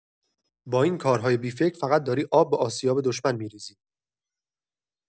با این کارهای بی‌فکر فقط داری آب به آسیاب دشمن می‌ریزی.